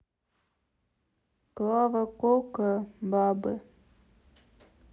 клава кока бабы